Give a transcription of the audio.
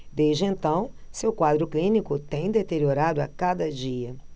desde então seu quadro clínico tem deteriorado a cada dia